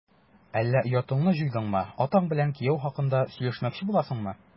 Әллә оятыңны җуйдыңмы, атаң белән кияү хакында сөйләшмәкче буласыңмы? ..